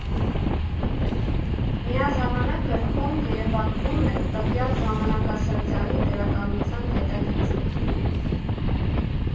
Միաժամանակ գրքում երևակվում է տվյալ ժամանակաշրջանի գրականության հետագիծը։